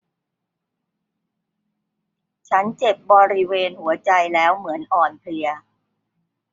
ฉันเจ็บบริเวณหัวใจแล้วเหมือนอ่อนเพลีย